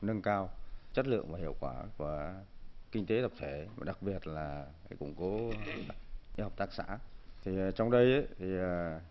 nâng cao chất lượng và hiệu quả của kinh tế tập thể và đặc biệt là củng cố cái hợp tác xã thì trong đây ấy thì